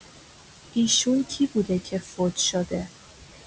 ایشون کی بوده که فوت‌شده؟